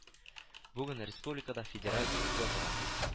Бүген республикада федераль льготага